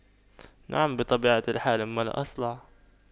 نعم بطبيعة الحال انه أصلع